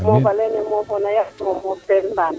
mof a leene mofona yaasam o moof teen mbaan